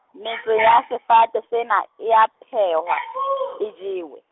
metso ya sefate sena e a phehwa e jewe.